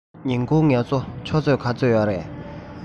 ཉིན གུང ངལ གསོ ཆུ ཚོད ག ཚོད ཡོད རས